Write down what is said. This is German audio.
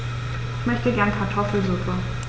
Ich möchte gerne Kartoffelsuppe.